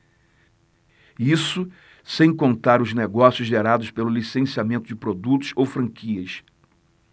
isso sem contar os negócios gerados pelo licenciamento de produtos ou franquias